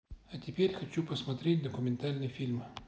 а теперь хочу посмотреть документальный фильм